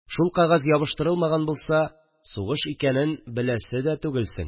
Шул кәгазь ябыштырылмаган булса, сугыш икәнен беләсе дә түгелсең